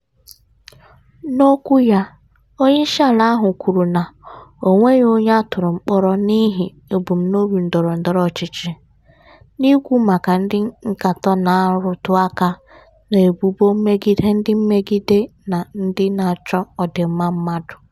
N'okwu ya, onyeisiala ahụ kwuru na “o nweghị onye a tụrụ mkpọrọ n'ihi ebumnobi ndọrọndọrọ ọchịchị, " n'ikwu maka ndị nkatọ na-arụtụ aka n'ebubo megide ndị mmegide na ndị na-achọ ọdịmma mmadụ.